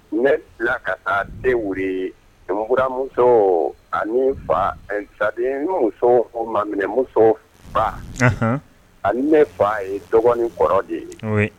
Ne filɛ ka taa dew ree n buranmusoo ani fa ɛ c'est à dire n mamuso o maminɛmuso ba anhan ani ne fa ye dɔgɔ ni kɔrɔ de ye oui